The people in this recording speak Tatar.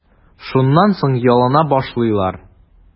Шуннан соң ялына башлыйлар.